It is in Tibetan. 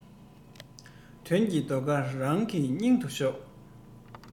དམའ ས བཟུང ནས གང ཅིར བཟོད པ སྒོམ